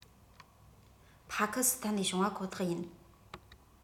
ཕ ཁི སི ཐན ལས བྱུང བ ཁོ ཐག ཡིན